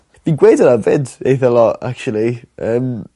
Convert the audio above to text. Fi'n gweud wnna 'fyd eitha lo' actually yym